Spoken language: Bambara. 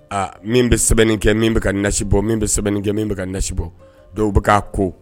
Aa min bɛ sɛbɛnni kɛ, min bɛ ka nasi bɔ, min bɛ sɛbɛnni kɛ, min bɛ ka nasi bɔ, donc u bɛ ka ko